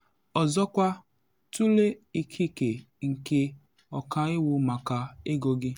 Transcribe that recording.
Ọzọkwa, tụlee ikike nke ọkaiwu maka ego gị.